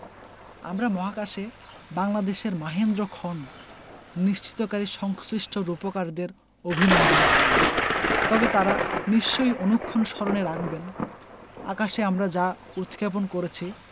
আমরা মহাকাশে বাংলাদেশের মাহেন্দ্রক্ষণ নিশ্চিতকারী সংশ্লিষ্ট রূপকারদের অভিনন্দন জানাই তবে তাঁরা নিশ্চয় অনুক্ষণ স্মরণে রাখবেন আকাশে আমরা যা উৎক্ষেপণ করেছি